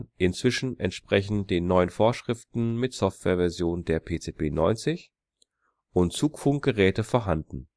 inzwischen entsprechend den neuen Vorschriften mit Softwareversion der PZB 90) und Zugfunk-Geräte vorhanden